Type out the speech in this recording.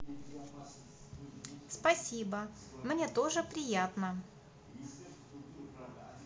спасибо мне тоже приятно